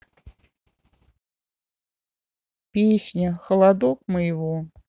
песня холодок моего